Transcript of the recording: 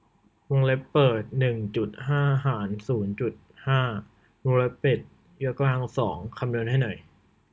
วงเล็บเปิดหนึ่งจุดห้าหารศูนย์จุดห้าวงเล็บปิดยกกำลังสองคำนวณให้หน่อย